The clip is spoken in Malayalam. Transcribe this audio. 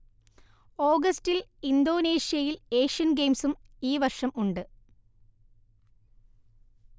ഓഗസ്റ്റിൽ ഇന്തോനേഷ്യയിൽ ഏഷ്യൻ ഗെയിംസും ഈവർഷം ഉണ്ട്